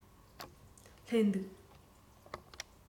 སླེབས འདུག